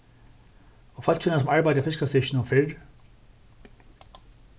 og fólkini sum arbeiddu á fiskastykkinum fyrr